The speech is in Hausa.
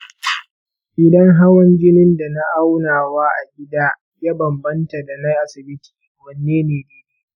idan hawan jinin da na aunawa a gida ya bambanta da na asibiti, wanne ne daidai?